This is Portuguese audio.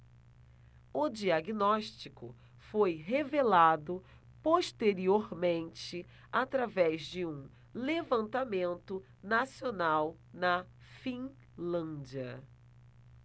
o diagnóstico foi revelado posteriormente através de um levantamento nacional na finlândia